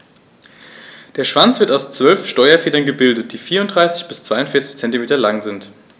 Der Schwanz wird aus 12 Steuerfedern gebildet, die 34 bis 42 cm lang sind.